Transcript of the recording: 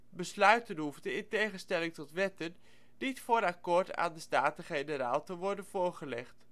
Besluiten hoefden - in tegenstelling tot wetten - niet voor akkoord aan de Staten-Generaal te worden voorgelegd